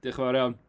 Diolch yn fawr iawn.